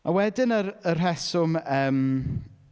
A wedyn yr- y rheswm yym...